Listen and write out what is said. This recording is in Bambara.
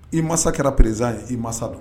I mansa kɛra président ye i mansa don